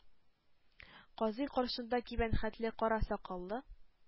Казый, каршында кибән хәтле кара сакаллы